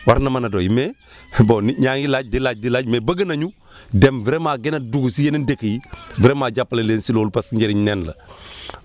war na mën a doy mais bon nit ñaa ngi laaj di laaj di laaj mais bëgg nañu dem vraiment gën a dugg si yeneen dëkk yi vraiment jàppale leen si loolu parce que njëriñ neen la